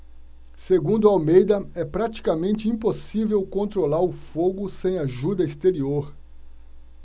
segundo almeida é praticamente impossível controlar o fogo sem ajuda exterior